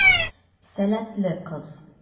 Сәләтле кыз.